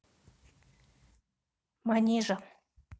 manizha